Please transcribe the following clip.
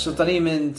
So dan ni'n mynd,